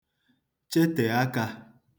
chetè akā